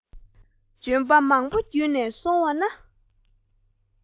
ལྗོན པ མང པོ བརྒྱུད ནས སོང བ ན